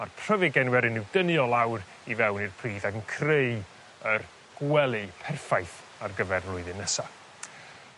a'r pryfed genwer yn i'w dynnu o lawr i fewn i'r pridd ag yn creu yr gwely perffaith ar gyfer flwyddyn nesa.